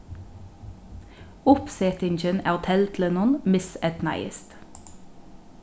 uppsetingin av teldlinum miseydnaðist